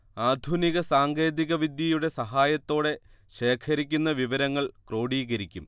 ആധുനിക സാങ്കേതിക വിദ്യയുടെ സഹായത്തോടെ ശേഖരിക്കുന്ന വിവരങ്ങൾ ക്രോഡീകരിക്കും